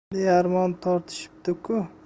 bearmon tortishibdi ku